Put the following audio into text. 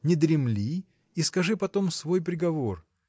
не дремли и скажи потом свой приговор.